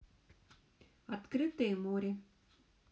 открытое море